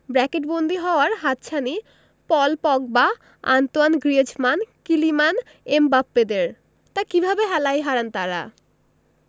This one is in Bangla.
ব্র্যাকেটবন্দি হওয়ার হাতছানি Paul Pogba Antoine Griezmann Kylian এমবাপ্পেদের তা কিভাবে হেলায় হারান তাঁরা